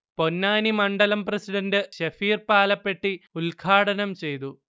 പൊന്നാനി മണ്ഡലം പ്രസിഡണ്ട് ശഫീർ പാലപ്പെട്ടി ഉൽഘാടനം ചെയ്തു